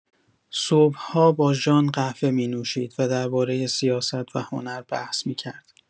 صبح‌ها با ژان قهوه می‌نوشید و درباره سیاست و هنر بحث می‌کرد.